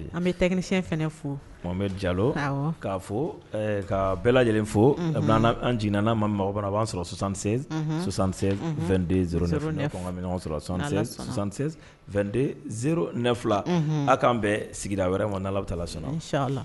An bɛg fo an bɛ jalo k' fo' bɛɛ lajɛlen fo anna'a ma b'a sɔrɔsansan sɔrɔ ne fila an k'an bɛɛ sigira wɛrɛ ma n'a bɛ taa sɔnna